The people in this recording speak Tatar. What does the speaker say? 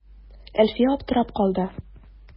Әлфия аптырап калды.